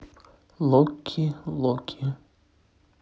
локки локи